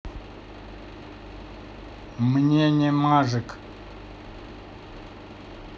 мне не мажик